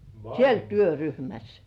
siellä työryhmässä